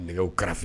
Dɛ kɛrɛfɛ